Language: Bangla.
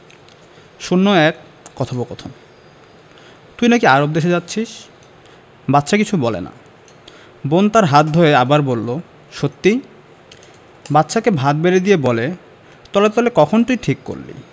০১ কথোপকথন তুই নাকি আরব দেশে যাচ্ছিস বাদশা কিছু বলে না বোন তার হাত ধরে আবার বলে সত্যি বাদশাকে ভাত বেড়ে দিয়ে বলে তলে তলে কখন তুই ঠিক করলি